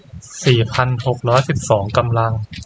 สี่พันหกร้อยสิบสองกำลัง